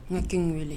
Ne' wele